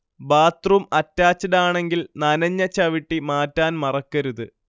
bathroom അറ്റാച്ച്ഡാണെങ്കിൽ നനഞ്ഞ ചവിട്ടി മാറ്റാൻ മറക്കരുത്